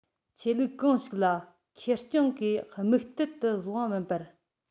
ཆོས ལུགས གང ཞིག ལ ཁེར རྐྱང གིས དམིགས གཏད དུ བཟུང བ མིན པར